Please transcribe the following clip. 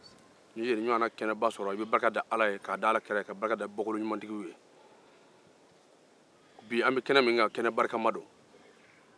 n'i ye nin ɲɔgɔnna kɛnɛ sɔrɔ i be barka da ala n'a kira ani bɔkoloɲumantigiw ye bi an be kɛnɛ min kan kɛnɛ barikama don